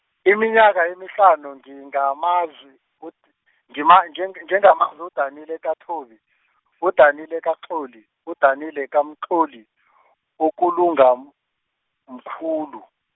iminyaka emihlanu ngingamazi, ud- ngima- ngin- ngingamazi uDanile kaThobi, uDanile kaXoli, uDanile kaMxoli , okulunga m- mkhulu.